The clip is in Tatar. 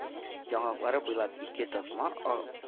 Яңаклары буйлап ике тасма а